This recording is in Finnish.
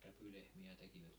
käpylehmiä tekivät